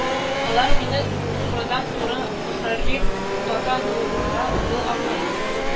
Алар мине турыдан-туры мөхәррир Гата Нурулла улы Алмаев